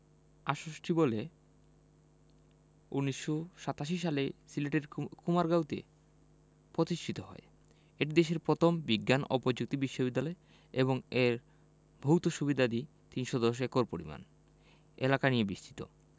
৬৮ বলে ১৯৮৭ সালে সিলেটের কুমারগাঁওতে পতিষ্ঠিত হয় এটি দেশের পথম বিজ্ঞান ও পযুক্তি বিশ্ববিদ্যালয় এবং এর ভৌত সুবিধাদি ৩১০ একর পরিমাণ এলাকা নিয়ে বিস্তৃত